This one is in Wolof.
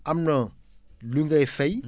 am na lu ngay fay